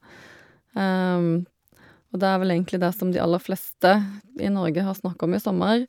Og det er vel egentlig det som de aller fleste i Norge har snakka om i sommer.